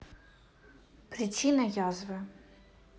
причина язвы